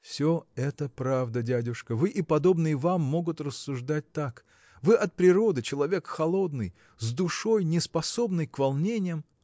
– Все это правда, дядюшка: вы и подобные вам могут рассуждать так. Вы от природы человек холодный. с душой, неспособной к волнениям.